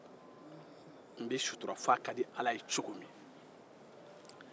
n b'i sutura f'a ka di ala ye cogo min